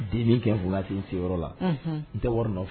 Den kɛ ffin sigiyɔrɔyɔrɔ la n tɛ wari nɔfɛ